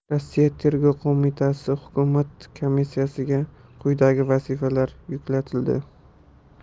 rossiya tergov qo'mitasihukumat komissiyasiga quyidagi vazifalar yuklatildi